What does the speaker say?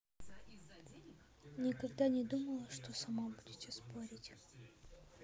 никогда не думала что сама будете спорить